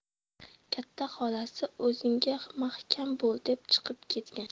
katta xolasi o'zingga mahkam bo'l deb chiqib ketgan